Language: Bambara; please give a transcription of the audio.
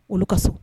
Olu ka so